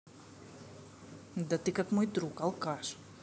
да ты как мой друг алкаш